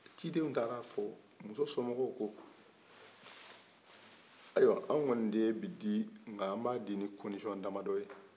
ciden taar'a fɔ muso somɔgɔw ko ayiwa anw kɔni den be di nka an b'a di ni kondisiyon damadɔye